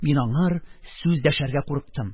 Мин аңар сүз дәшәргә курыктым,